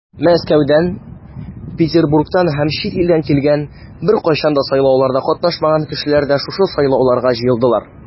Мәскәүдән, Петербургтан һәм чит илдән килгән, беркайчан да сайлауларда катнашмаган кешеләр дә шушы сайлауларга җыелдылар.